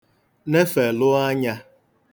nefèlụ anyā